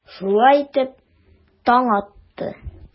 Шулай итеп, таң атты.